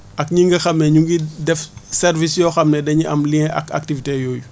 ak ñi nga xam ne ñu ngi def service yoo xam ne dañu am lien ak activité yooyu